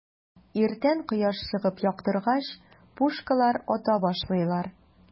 Иртән кояш чыгып яктыргач, пушкалар ата башлыйлар.